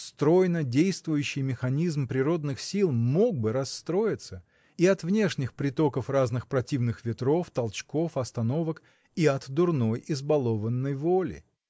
Стройно действующий механизм природных сил мог бы расстроиться — и от внешних притоков разных противных ветров, толчков, остановок, и от дурной, избалованной воли.